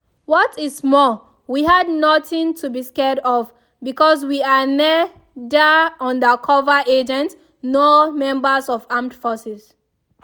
What is more, we had nothing to be scared of, because we are neither undercover agents nor members of armed forces.